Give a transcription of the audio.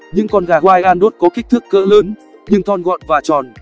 những con gà wyandotte có kích thước cỡ lớn nhưng thon gọn và tròn